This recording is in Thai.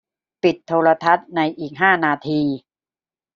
ปิดโทรทัศน์ในอีกห้านาที